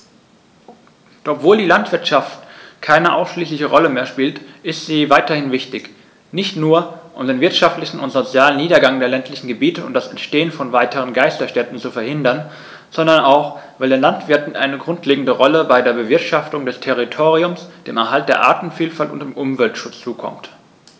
Doch obwohl die Landwirtschaft keine ausschließliche Rolle mehr spielt, ist sie weiterhin wichtig, nicht nur, um den wirtschaftlichen und sozialen Niedergang der ländlichen Gebiete und das Entstehen von weiteren Geisterstädten zu verhindern, sondern auch, weil den Landwirten eine grundlegende Rolle bei der Bewirtschaftung des Territoriums, dem Erhalt der Artenvielfalt und dem Umweltschutz zukommt.